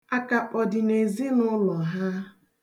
Akakpọ dị n'ezinụlọ ha.